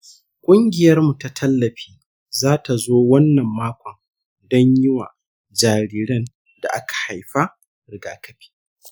ƙungiyarmu ta tallafi za ta zo wannan makon don yi wa jariran da aka haifa rigakafi.